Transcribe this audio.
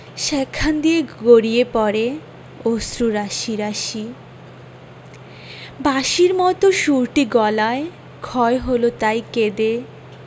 সেখান দিয়ে গড়িয়ে পড়ে অশ্রু রাশি রাশি বাঁশির মতো সুরটি গলায় ক্ষয় হল তাই কেঁদে